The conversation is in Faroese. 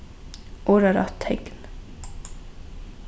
orðarætt tekn